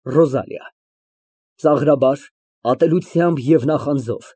ՌՈԶԱԼԻԱ ֊ (Ծաղրաբար, ատելությամբ ու նախանձով)